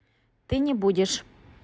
ты не будешь